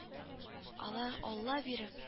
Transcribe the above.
Алар Алла биреп